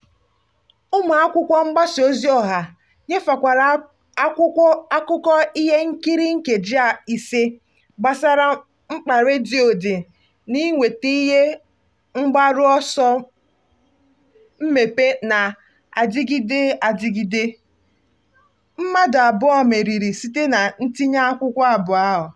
Ụmụ akwụkwọ mgbasa ozi ọha nyefekwara akwụkwọ akụkọ ihe nkiri nkeji 5 gbasara mkpa redio dị n'inweta ihe mgbaru ọsọ mmepe na-adịgide adịgide. Mmadụ abụọ meriri site na ntinye akwụkwọ abụọ ahụ.